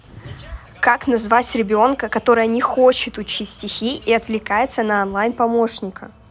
как назвать ребенка которая не хочет учить стихи и отвлекается на онлайн помощника